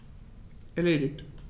Erledigt.